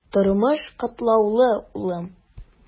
Тормыш катлаулы, улым.